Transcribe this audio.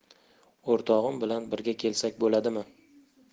o'rtog'im bilan birga kelsak bo'ladimi